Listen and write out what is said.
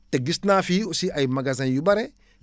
te gis naa fi aussi ay magasins yu bare